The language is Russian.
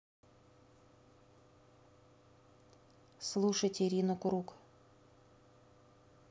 слушать ирину круг